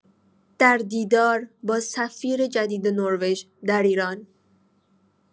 در دیدار با سفیر جدید نروژ در ایران